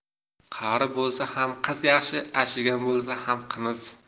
qari bo'lsa ham qiz yaxshi achigan bo'lsa ham qimiz